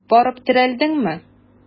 Барып терәлдеңме?